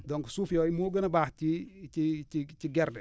donc suuf yooyu moo gën a baax ci ci ci gerte